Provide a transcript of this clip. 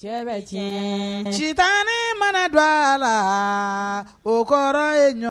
Cɛ bɛ tiɲɛ citan mana don a la o kɔrɔ ye ɲɔgɔn